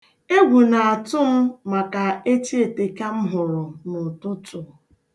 Egwu na-atụ m maka echieteka m hụrụ n'ụtụtụ.